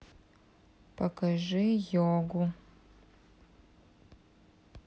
покажи йогу